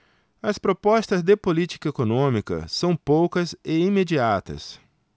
as propostas de política econômica são poucas e imediatas